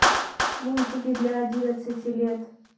мультики для одиннадцати лет